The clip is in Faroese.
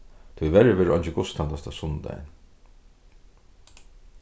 tíverri verður eingin gudstænasta sunnudagin